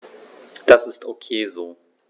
Das ist ok so.